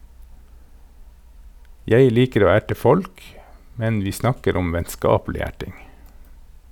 Jeg liker å erte folk, men vi snakker om vennskapelig erting.